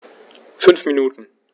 5 Minuten